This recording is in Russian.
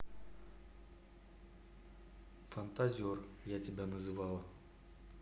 фантазер я тебя называла